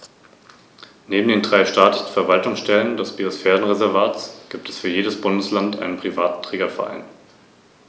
Der Schwanz ist weiß und zeigt eine scharf abgesetzte, breite schwarze Endbinde.